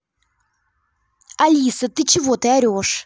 алиса ты чего ты орешь